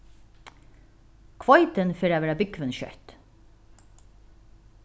hveitin fer at vera búgvin skjótt